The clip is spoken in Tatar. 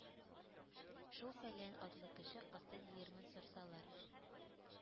Шул фәлән атлы кеше кысты диермен сорсалар.